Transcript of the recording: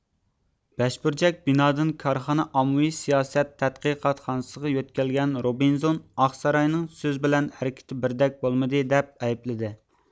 بەشبۇرجەك بىنادىن كارخانا ئاممىۋى سىياسەت تەتقىقاتخانىسىغا يۆتكەلگەن روبنزون ئاقساراينىڭ سۆز بىلەن ھەرىكىتى بىردەك بولمىدى دەپ ئەيىبلىدى